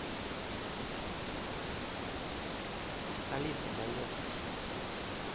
алиса боевка